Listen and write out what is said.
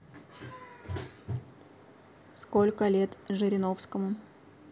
сколько лет жириновскому